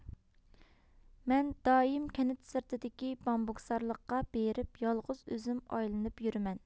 مەن دائىم كەنت سىرتىدىكى بامبۇكزارلىققا بېرىپ يالغۇز ئۆزۈم ئايلىنىپ يۈرىمەن